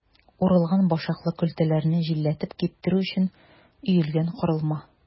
Урылган башаклы көлтәләрне җилләтеп киптерү өчен өелгән корылма.